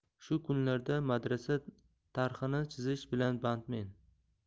shu kunlarda madrasa tarhini chizish bilan bandmen